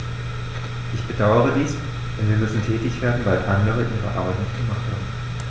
Ich bedauere dies, denn wir müssen tätig werden, weil andere ihre Arbeit nicht gemacht haben.